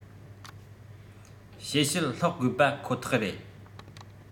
བཤད ཕྱིར སློག དགོས པ ཁོ ཐག རེད